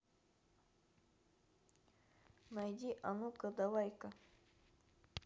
найди а ну ка давай ка